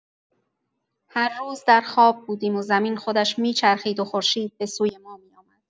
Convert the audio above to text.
هر روز در خواب بودیم و زمین خودش می‌چرخید و خورشید به‌سوی ما می‌آمد.